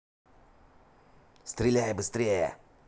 стреляйся быстрей